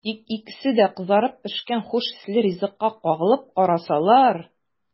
Тик икесе дә кызарып пешкән хуш исле ризыкка кагылып карасалар!